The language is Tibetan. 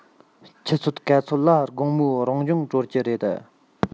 ཆུ ཚོད ག ཚོད ལ དགོང མོའི རང སྦྱོང གྲོལ གྱི རེད